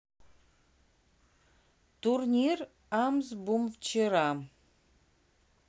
турнир амс бум вчера